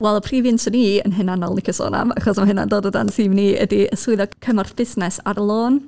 Wel, y prif un 'swn i yn hunanol yn licio sôn am, achos ma' hynna'n dod o dan theme ni, ydy swyddog cymorth busnes ar lon.